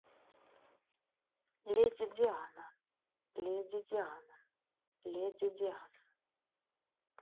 леди диана леди диана леди диана